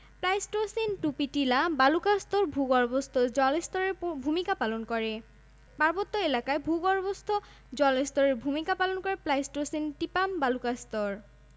খনিজ সম্পদঃ প্রাকৃতিক গ্যাস কয়লা পিট চুনাপাথর কঠিন শিলা সৈকত বালি ভারি মণিক zircon ilmenite rutile magnetite garnet monazite leucoxene